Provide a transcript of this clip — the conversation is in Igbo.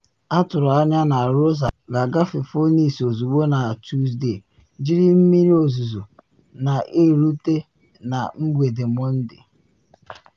Atụrụ anya na Rosa ga-agafe Phoenix ozugbo na Tusde, jiri mmiri ozizo na erute na mgbede Mọnde.